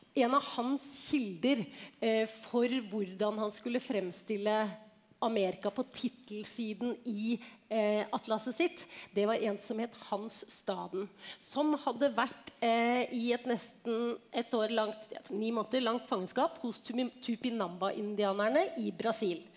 en av hans kilder for hvordan han skulle fremstille Amerika på tittelsiden i atlaset sitt det var en som het Hans Staden som hadde vært i et nesten ett år langt ni måneder langt fangenskap hos tupinambaindianerne i Brasil.